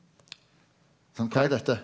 kva er dette?